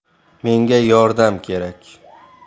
menga yordam kerak